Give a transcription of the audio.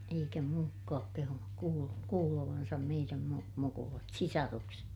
eikä muutkaan kehunut - kuulevansa meidän - mukulat sisarukset